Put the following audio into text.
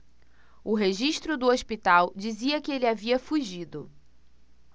o registro do hospital dizia que ele havia fugido